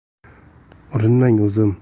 urinmang o'zim